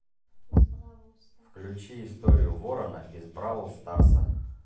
включи историю ворона из бравл старса